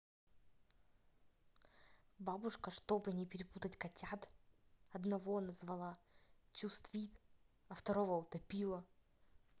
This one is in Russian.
бабушка чтобы не перепутать котят одного назвала чувствит а второго утопила